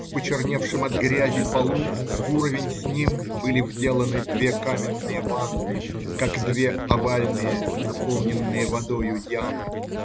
в почерневшем от грязи полу, в уровень с ним, были вделаны две каменные ванны, как две овальные, наполненные водою ямы.